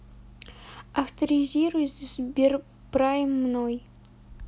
авторизируй сберпрайм мной